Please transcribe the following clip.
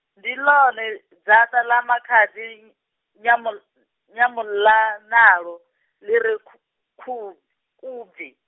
ndi ḽone, Dzaṱa ḽa makhadzi, N- Nyamu-, Nyamuḽanalo, ḽi re khu-, khu-, Khubvi.